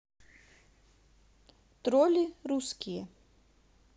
тролли русские